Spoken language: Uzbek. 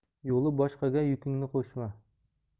yo'li boshqaga yukingni qo'shma